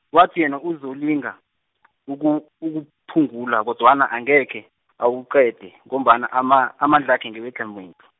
wathi yena uzolinga , uku ukuphungula kodwana angekhe , awuqede ngombana ama amandlakhe ngewedlhamedlhu.